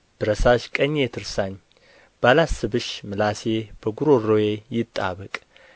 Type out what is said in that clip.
ብረሳሽ ቀኜ ትርሳኝ ባላስብሽ ምላሴ በጕሮሮዬ ይጣበቅ